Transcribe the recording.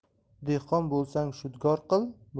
dehqon bo'lsang shudgor qil